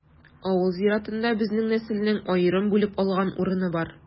Авыл зиратында безнең нәселнең аерым бүлеп алган урыны бар.